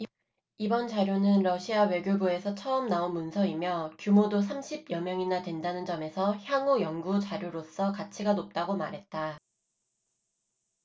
이번 자료는 러시아 외교부에서 처음 나온 문서이며 규모도 삼십 여 명이나 된다는 점에서 향후 연구 자료로서 가치가 높다고 말했다